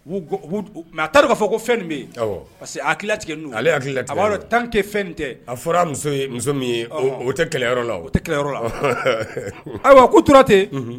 U a taara k'a fɔ ko fɛn bɛ parce que hakililatigɛ ale hakiliki a b'a tan tɛ fɛn tɛ a fɔra muso muso ye o tɛ kɛlɛyɔrɔ la o tɛ kɛlɛyɔrɔ la ayiwa ko tora ten